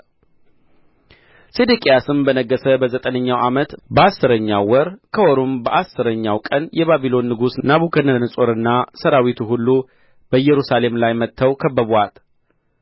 ሴዴቅያስም በነገሠ በዘጠነኛው ዓመት በአሥረኛው ወር ከወሩም በአሥረኛው ቀን የባቢሎን ንጉሥ ናቡከደነፆርና ሠራዊቱ ሁሉ በኢየሩሳሌም ላይ መጥተው ከበቡአት